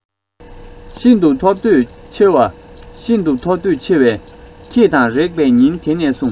ཤིན ཏུ ཐོབ འདོད ཆེ བས ཤིན ཏུ ཐོབ འདོད ཆེ བས ཁྱེད དང རེག པའི ཉིན དེ ནས བཟུང